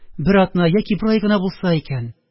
Бер атна яки бер ай гына булса икән